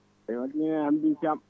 *